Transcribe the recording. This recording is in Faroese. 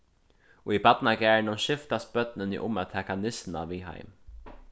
í barnagarðinum skiftast børnini um at taka nissuna við heim